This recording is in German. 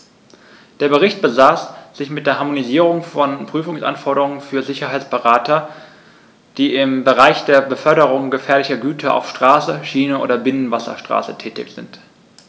Der Bericht befasst sich mit der Harmonisierung von Prüfungsanforderungen für Sicherheitsberater, die im Bereich der Beförderung gefährlicher Güter auf Straße, Schiene oder Binnenwasserstraße tätig sind.